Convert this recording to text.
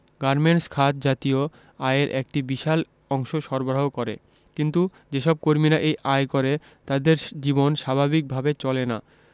garments খাত জাতীয় আয়ের একটি বিশাল অংশ সরবারহ করে কিন্তু যেসব কর্মীরা এই আয় করে তাদের জীবন স্বাভাবিক ভাবে চলে না